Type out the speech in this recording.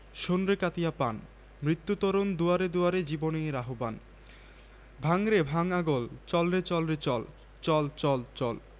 শোন রে কাতিয়া পান মৃত্যু তরণ দুয়ারে দুয়ারে জীবনের আহবান ভাঙ রে ভাঙ আগল চল রে চল রে চল চল চল চল